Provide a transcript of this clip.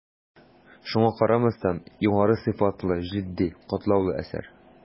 Шуңа карамастан, югары сыйфатлы, житди, катлаулы әсәр.